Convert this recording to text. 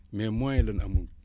mais moyen la nu amul